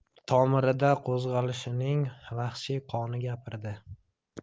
tomirida qo'zg'alishning vahshiy qoni gupirdi